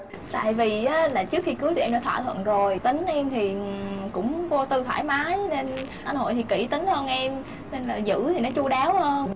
tại vì á là trước khi cưới thì em đã thỏa thuận rồi tính em thì cũng vô tư thoải mái nên anh hội thì kỹ tính hơn em nên là giữ thì nó chu đáo hơn